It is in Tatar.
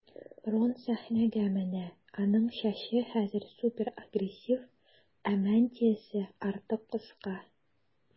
Рон сәхнәгә менә, аның чәче хәзер суперагрессив, ә мантиясе артык кыска.